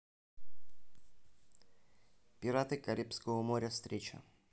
пираты карибского моря встреча